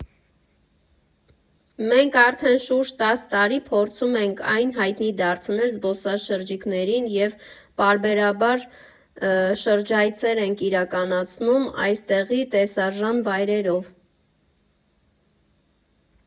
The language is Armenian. Մենք արդեն շուրջ տասը տարի փորձում ենք այն հայտնի դարձնել զբոսաշրջիկներին և պարբերաբար շրջայցեր ենք իրականացնում այստեղի տեսարժան վայրերով։